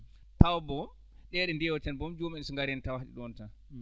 taw mo ɗe ndi yewteten boom jomum en so ngarii en tawat ɗoon tan